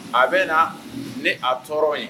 A bɛ na ni a tɔɔrɔ ye